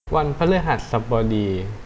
วันพฤหัสบดี